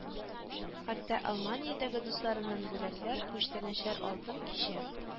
Хәтта Алманиядәге дусларымнан бүләкләр, күчтәнәчләр алдым кичә